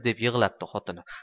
deb yig'labdi xotini